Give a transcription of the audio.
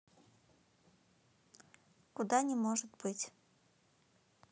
куда не может быть